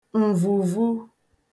m̀vùvu